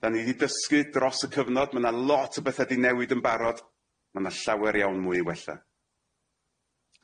'Dan ni di dysgu dros y cyfnod ma' 'na lot o betha 'di newid yn barod ma' 'na llawer iawn mwy i wella.